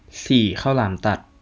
สี่ข้าวหลามตัด